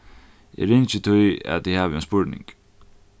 eg ringi tí at eg havi ein spurning